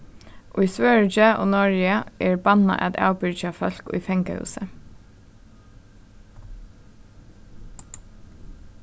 í svøríki og noregi er bannað at avbyrgja fólk í fangahúsi